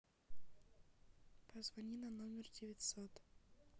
позвони на номер девятьсот